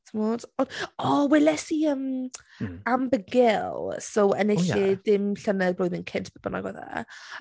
Timod! On- O! welais i yym ... mm ...Amber Gill so ennillydd... o ie ...dim llynedd blwyddyn cynt be' bynnag oedd e...